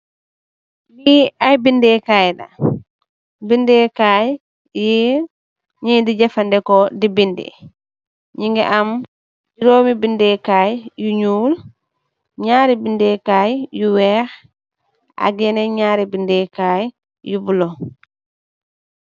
Li ay bindé kai la, bindè kay yi nit ñi di jafandiko di bindi . Ñi ngi am jurom mi bindè kay yu ñuul ñaari bindé kay yu wèèx ak ñaari bindé kay yu bula.